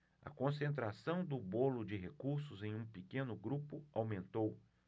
a concentração do bolo de recursos em um pequeno grupo aumentou